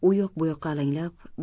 u yoq bu yoqqa alanglab